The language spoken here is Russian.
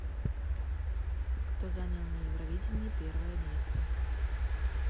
кто занял на евровидении первое место